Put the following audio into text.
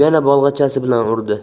yana bolg'acha bilan urdi